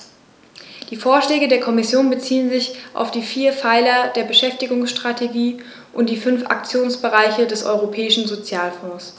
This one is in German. Die Vorschläge der Kommission beziehen sich auf die vier Pfeiler der Beschäftigungsstrategie und die fünf Aktionsbereiche des Europäischen Sozialfonds.